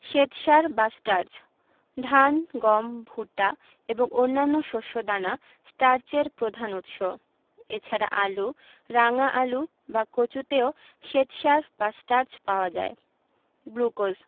শ্বেতসার বা স্টার্চ ধান গম ভুট্টা এবং অন্যান্য শস্য দানা স্টার্চের প্রধান উৎস এছাড়া আলু রাঙা আলু বা কচুতেও শ্বেতসার বা স্টার্চ পাওয়া যায় গ্লুকোজ